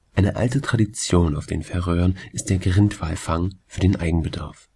Eine alte Tradition auf den Färöern ist der Grindwalfang für den Eigenbedarf